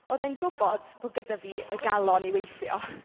Oedd e'n gwbod bo' gyda fi y galon i weithio.